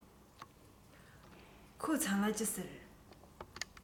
ཁོའི མཚན ལ ཅི ཟེར